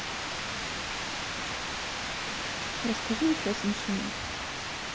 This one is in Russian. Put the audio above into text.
расскажи еще смешнее